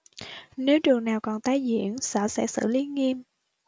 nếu trường nào còn tái diễn sở sẽ xử lý nghiêm